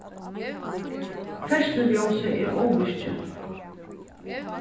ferðsluljósið er óvirkið